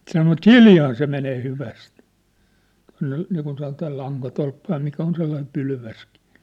sanovat kiljaan se menee hyvästi tuonne niin kuin sanotaan lankatolppa ja mikä on sellainen pylväskin